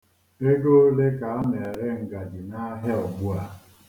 Ego ole ka a na-ere ngaji n'ahịa ugbua?